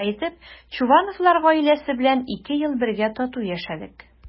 Шулай итеп Чувановлар гаиләсе белән ике ел бергә тату яшәдек.